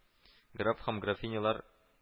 Граф һәм графинялар